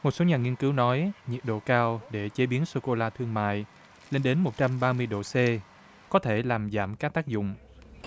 một số nhà nghiên cứu nói nhiệt độ cao để chế biến sô cô la thương mại lên đến một trăm ba mươi độ xê có thể làm giảm các tác dụng